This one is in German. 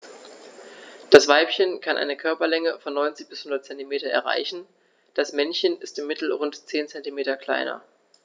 Das Weibchen kann eine Körperlänge von 90-100 cm erreichen; das Männchen ist im Mittel rund 10 cm kleiner.